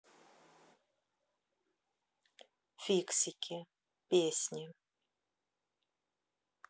фиксики песни